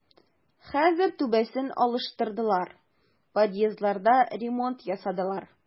Хәзер түбәсен алыштырдылар, подъездларда ремонт ясадылар.